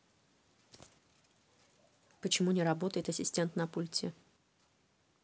почему не работает ассистент на пульте